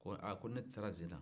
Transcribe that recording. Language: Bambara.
a ko ni ne taara je in na